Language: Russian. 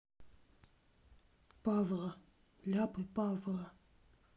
павла ляпы павла